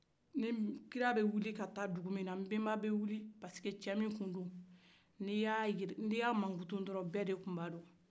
nin kira kun bɛ taa dugu min na nbenba bɛ wili sabula cɛ min don ni ya mankutun drɔn bɛ de kun b'a don